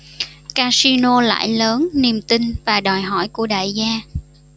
casino lãi lớn niềm tin và đòi hỏi của đại gia